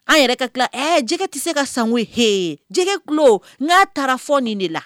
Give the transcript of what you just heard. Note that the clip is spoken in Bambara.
An yɛrɛ ka tila ɛ jɛgɛ tɛ se ka san he ye jɛgɛ kulo n'a taara fɔ nin de la